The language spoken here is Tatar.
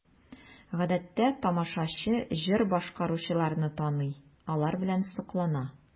Гадәттә тамашачы җыр башкаручыларны таный, алар белән соклана.